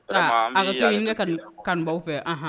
Aa a bɛ kɛ n kanubaw fɛ